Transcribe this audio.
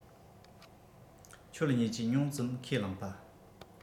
ཁྱོད གཉིས ཀྱིས ཉུང ཙམ ཁས བླངས པ